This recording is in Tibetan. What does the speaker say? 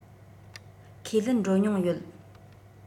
ཁས ལེན འགྲོ མྱོང ཡོད